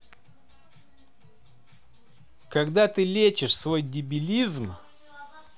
как ты лечишь свой дебилизм